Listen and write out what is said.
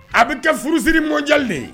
A bɛ kɛ furusiri mɔndiyalen